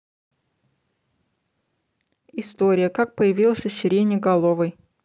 история как появился сиреноголовый